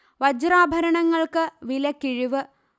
വജ്രാഭരണങ്ങൾക്ക് വിലക്കിഴിവ്